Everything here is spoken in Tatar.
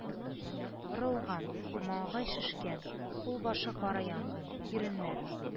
Рылган, маңгай шешкән, кулбашы кара янган, иреннәр